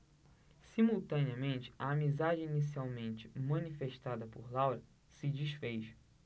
simultaneamente a amizade inicialmente manifestada por laura se disfez